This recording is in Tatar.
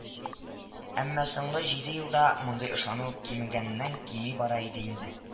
Әмма соңгы җиде елда мондый ышану кимегәннән-кими бара иде инде